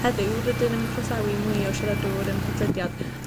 Heddiw rydym yn croesawu mwy o siaradŵr ein podlediad